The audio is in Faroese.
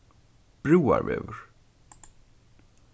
brúarvegur